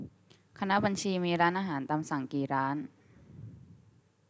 คณะบัญชีมีร้านอาหารตามสั่งกี่ร้าน